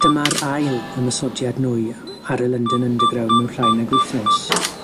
Dyma'r ail ymosodiad nwy ar y London Underground* n mewn llai nag wythnos.